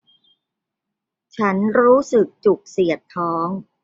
ฉันรู้สึกจุกเสียดท้อง